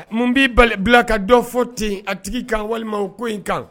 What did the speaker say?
Mun b'i bali bila ka dɔ fɔ ten, a tigi kan, walima ko in kan?